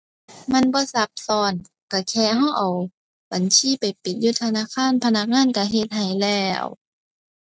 มันบ่ซับซ้อน ก็แค่ก็เอาบัญชีไปปิดอยู่ธนาคารพนักงานก็เฮ็ดให้แล้ว